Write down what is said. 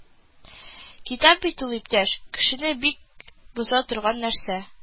Китап бит ул, иптәш, кешене бик боза торган нәрсә